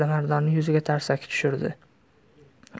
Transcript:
alimardonning yuziga tarsaki tushirdi